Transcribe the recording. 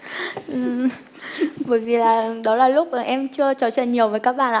ừm bởi vì là đó là lúc là em chưa trò chuyện nhiều với các bạn